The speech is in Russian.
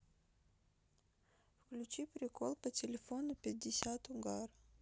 включи прикол по телефону пятьдесят угар